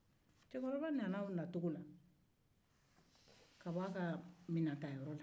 cɛkɔrɔba nana o cogo la ka bɔ a ka minɛntayɔrɔ la